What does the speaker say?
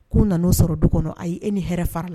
K'u nan'u sɔrɔ du kɔnɔ ayi e ni hɛrɛ farala